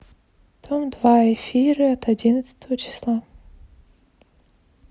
дом два эфиры от одиннадцатого числа